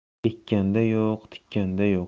ekkanda yo'q tikkanda